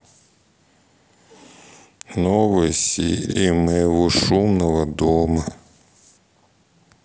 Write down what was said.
новые серии моего шумного дома